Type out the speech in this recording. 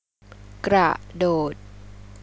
กระโดด